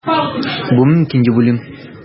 Бу мөмкин дип уйлыйм.